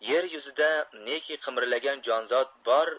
yer yuzida neki qimirlagan jon zot bor